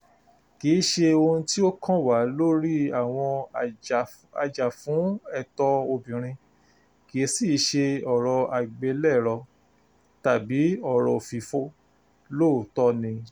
Kì í ṣe ohun tí ó kàn wá lórí àwọn ajàfúnẹ̀tọ́ obìnrin, kì í sì í ṣe ọ̀rọ̀ àgbélẹ̀rọ tàbí ọ̀rọ̀ òfìfo, LÓÒÓTỌ́ NI!